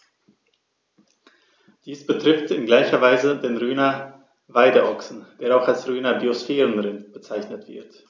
Dies betrifft in gleicher Weise den Rhöner Weideochsen, der auch als Rhöner Biosphärenrind bezeichnet wird.